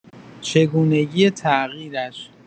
چگونگی تغییرش